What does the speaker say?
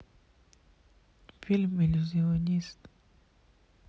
фильм иллюзионист